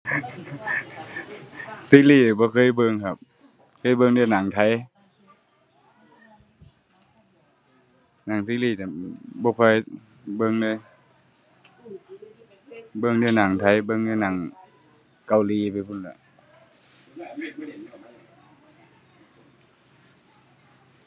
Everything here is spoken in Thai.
ซีรีส์บ่เคยเบิ่งครับ เคยเบิ่งแต่หนังไทย หนังซีรีส์จะบ่ค่อยเบิ่งเลย เบิ่งแต่หนังไทย เบิ่งแต่หนังเกาหลีไปพู้นล่ะ